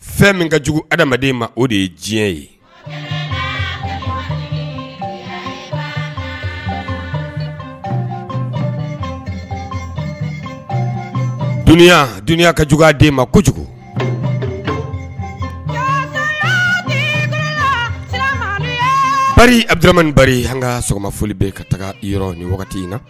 Fɛn min ka jugu adamadamaden ma o de ye diɲɛ ye ka jugu den ma kojugu an ka sɔgɔma foli bɛ ka taga yɔrɔ ni wagati in na